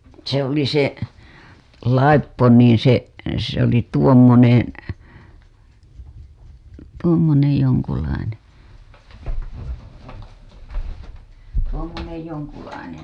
se oli se laippo niin se se oli tuommoinen tuommoinen jonkunlainen tuommoinen jonkunlainen